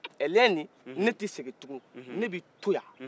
eleni ne t'i segin tukun ne b'i toyan